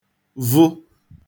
vụ